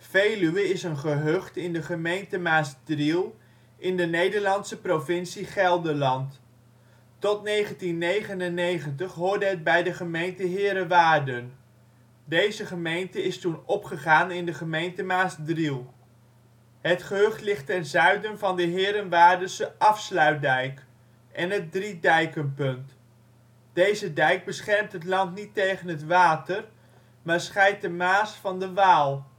Veluwe is een gehucht in de gemeente Maasdriel in de Nederlandse provincie Gelderland. Tot 1999 hoorde het bij de gemeente Heerewaarden. Deze gemeente is toen opgegaan in de gemeente Maasdriel. Het gehucht ligt ten zuiden van de Heerewaardense afsluitdijk en het Drie Dijkenpunt. Deze dijk beschermt het land niet tegen het water, maar scheidt de Maas van de Waal